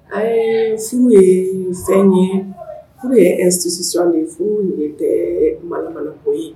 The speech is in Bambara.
Ɛɛ furu ye fɛn ye furu ɛsisiur de furu de tɛ malimana ko ye